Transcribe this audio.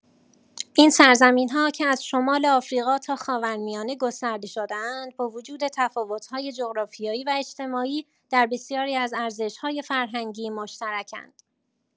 این سرزمین‌ها که از شمال آفریقا تا خاورمیانه گسترده شده‌اند، با وجود تفاوت‌های جغرافیایی و اجتماعی، در بسیاری از ارزش‌های فرهنگی مشترکند.